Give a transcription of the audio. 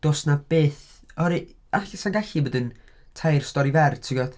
Does 'na byth, oherwydd ell- 'sa'n gallu bod yn tair stori fer tibod.